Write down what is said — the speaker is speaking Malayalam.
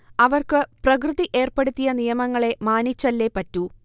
അവർക്കു പ്രകൃതി ഏർപ്പെടുത്തിയ നിയമങ്ങളെ മാനിച്ചല്ലേ പറ്റൂ